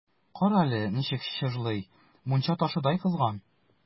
Кара әле, ничек чыжлый, мунча ташыдай кызган!